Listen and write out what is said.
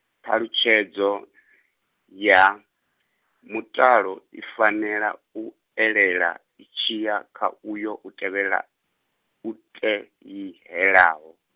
ṱhalutshedzo ya, mutalo i, fanela u elela itshi ya kha uyo u tevhela, u teihelaho.